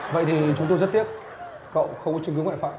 vậy thì chúng tôi rất tiếc cậu không có chứng cứ ngoại phạm